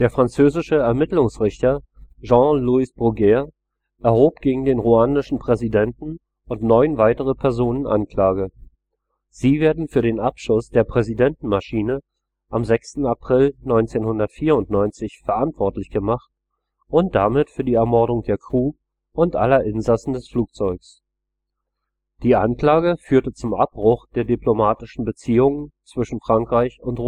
französische Ermittlungsrichter Jean-Louis Bruguière erhob gegen den ruandischen Präsidenten und neun weitere Personen Anklage. Sie werden für den Abschuss der Präsidentenmaschine am 6. April 1994 verantwortlich gemacht und damit für die Ermordung der Crew und aller Insassen des Flugzeugs. Die Anklage führte zum Abbruch der diplomatischen Beziehungen zwischen Frankreich und